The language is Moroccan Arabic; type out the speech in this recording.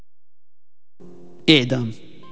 اعدام